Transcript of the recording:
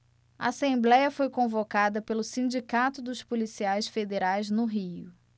a assembléia foi convocada pelo sindicato dos policiais federais no rio